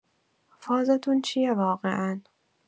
فازتون چیه واقعا؟